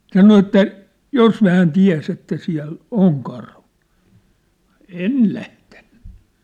sanoi että jos hän tiesi että siellä on karhu en lähtenyt